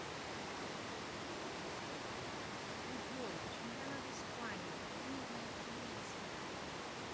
футбол чемпионат испании турнирная таблица